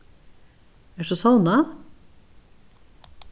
ert tú sovnað